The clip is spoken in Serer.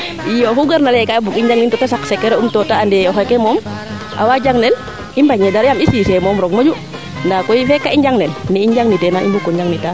i oxuu garna leyee kaa bug i njang nin to te saq secret um to te ande o xeeke moom awaa jang nel i mbañee dara yaam i siise moom roog moƴu ndaa feek kaa i njang nel nee i njang ni teena i mbung ko njag nita